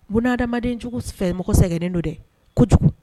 Buna adamadenjugu fɛ mɔgɔ sɛgɛnnen don dɛ, kojugu.